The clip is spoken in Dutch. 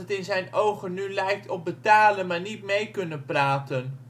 in zijn ogen nu lijkt op betalen, maar niet mee kunnen praten